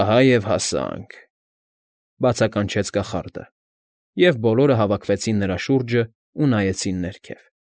Ահա և հասանք,֊ բացականչեց կախարդը, և բոլորը հավաքվեցին նրա շուրջն ու նայեցին ներքև։